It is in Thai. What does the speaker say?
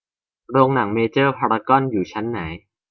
โรงหนังเมเจอร์พารากอนอยู่ชั้นไหน